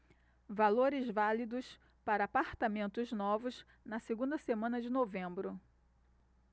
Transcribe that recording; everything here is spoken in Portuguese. valores válidos para apartamentos novos na segunda semana de novembro